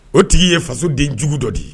O tigi ye faso denjugu dɔ de ye